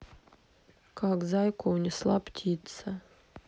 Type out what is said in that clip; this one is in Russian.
как зайку унесла птица